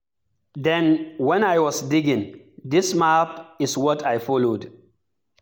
Then, when I was digging, this map is what I followed.